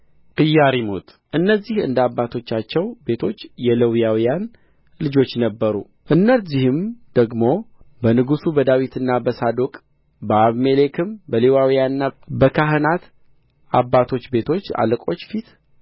ኢያሪሙት እነዚህ እንደ አባቶቻቸው ቤቶች የሌዋውያን ልጆች ነበሩ እነዚህም ደግሞ በንጉሡ በዳዊትና በሳዶቅ በአቢሜሌክም በሌዋውያንና በካህናት አባቶች ቤቶች አለቆች ፊት